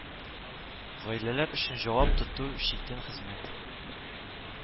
Гаиләләр өчен җавап тоту читен хезмәт